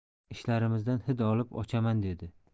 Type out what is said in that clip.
ishlarimizdan hid olib ochaman devdi